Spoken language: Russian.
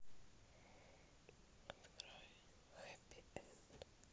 открой хеппи энд